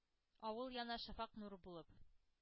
Авыл яна... шәфәкъ нуры булып,